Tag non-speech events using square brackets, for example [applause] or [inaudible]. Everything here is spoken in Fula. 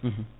[hesitation] [hesitation]